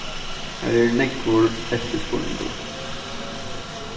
har er nógvur eftirspurningur